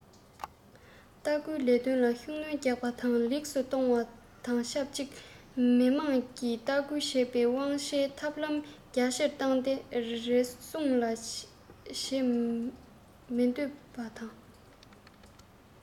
ལྟ སྐུལ ལས དོན ལ ཤུགས སྣོན རྒྱག པ དང ལེགས སུ གཏོང བ དང ཆབས ཅིག མི དམངས ཀྱིས ལྟ སྐུལ བྱེད པའི དབང ཆའི ཐབས ལམ རྒྱ ཆེར བཏང སྟེ རུལ སུངས བྱེད མི འདོད པ དང